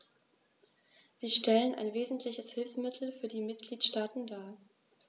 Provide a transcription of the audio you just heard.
Sie stellen ein wesentliches Hilfsmittel für die Mitgliedstaaten dar.